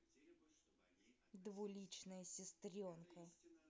двуличная сестренка